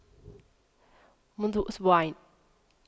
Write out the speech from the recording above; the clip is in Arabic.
منذ أسبوعين